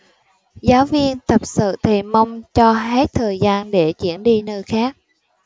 giáo viên tập sự thì mong cho hết thời gian để chuyển đi nơi khác